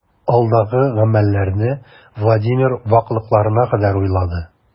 Алдагы гамәлләрне Владимир ваклыкларына кадәр уйлады.